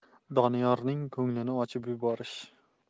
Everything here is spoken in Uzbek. doniyorning ko'nglini ochib yuborish